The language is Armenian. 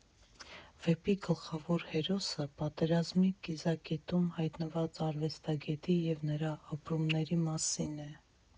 Վեպի գլխավոր հերոսը պատերազմի կիզակետում հայտնված արվեստագետի և նրա ապրումների մասին է։